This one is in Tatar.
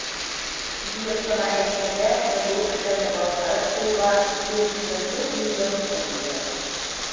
Җыеп кына әйткәндә, бу эшләрне башкарып чыгуга 174 млн сум кирәк.